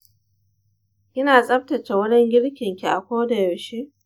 kina tsaftace wurin girkin ki a koda yaushe.